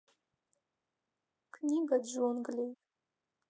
книга джунглей